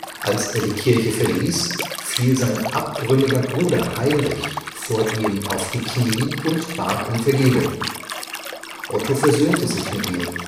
Als er die Kirche verließ, fiel sein abtrünniger Bruder Heinrich vor ihm auf die Knie und bat um Vergebung. Otto versöhnte sich mit ihm